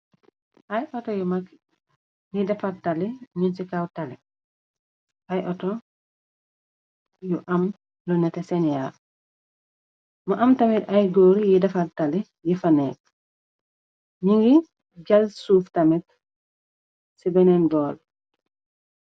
Aay fato yu mag yi defal tali ñu ci kaw tali ay auto yu am lu nete senia mu am tamir ay góor yi defar tali yi fanekk ñu ngi jal suuf tamit ci beneen bool.